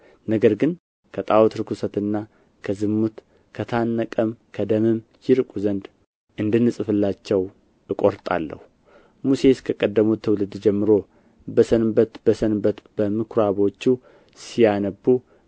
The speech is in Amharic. ነገር ግን ከጣዖት ርኵሰትና ከዝሙት ከታነቀም ከደምም ይርቁ ዘንድ እንድንጽፍላቸው እቈርጣለሁ ሙሴስ ከቀደሙት ትውልድ ጀምሮ በሰንበት በሰንበት በምኵራቦቹ ሲያነቡ